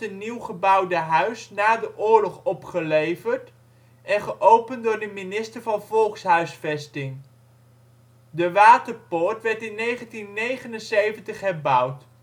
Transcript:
nieuw gebouwde huis na de oorlog opgeleverd en geopend door de minister van volkshuisvesting. De Waterpoort werd in 1979 herbouwd. In